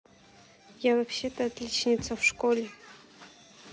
я вообще то отличница в школе